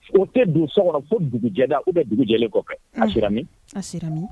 U te don so kɔnɔ fo dugujɛda oubien dugujɛlen kɔfɛ. A si la min ?